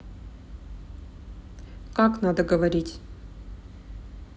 как надо говорить